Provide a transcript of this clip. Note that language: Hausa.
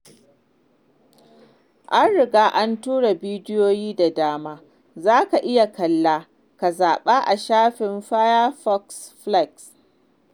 An riga an tura bidiyoyi da dama, za ka iya kalla, ka zaɓa a shafin Firefox Flicks.